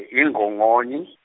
yiNgongoni.